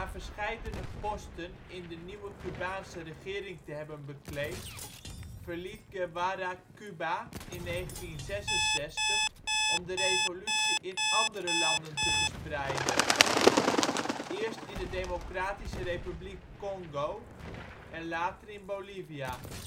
verscheidene posten in de nieuwe Cubaanse regering te hebben bekleed, verliet Guevara Cuba in 1966 om de revolutie in andere landen te verspreiden. Eerst in de Democratische Republiek Congo en later in Bolivia